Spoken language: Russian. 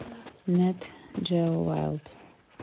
nat geo wild